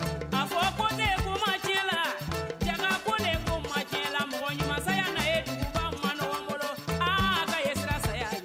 A fɔ ko ne kuma ma' la cɛ ko ne kuma ma' la mɔgɔ ɲumanya ye ka man bolo ha ka sira